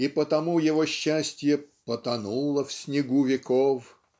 и потому его счастье "потонуло в снегу веков"